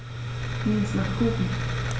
Mir ist nach Kuchen.